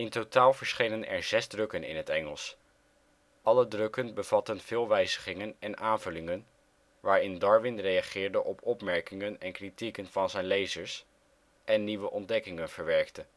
totaal verschenen er 6 drukken in het Engels. Alle drukken bevatten veel wijzigingen en aanvullingen waarin Darwin reageerde op opmerkingen en kritieken van zijn lezers en nieuwe ontdekkingen verwerkte